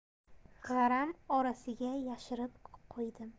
g'aram orasiga yashirib qo'ydim